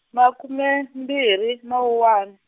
makume, mbirhi Mawuwani.